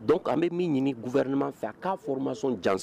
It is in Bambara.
Dɔnku an bɛ min ɲini guɛinma fɛ k'a foro ma sɔn jan